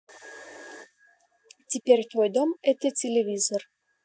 теперь твой дом это телевизор